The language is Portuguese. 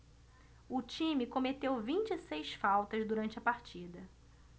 o time cometeu vinte e seis faltas durante a partida